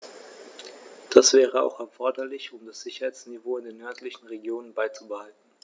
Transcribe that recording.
Das wäre auch erforderlich, um das Sicherheitsniveau in den nördlichen Regionen beizubehalten.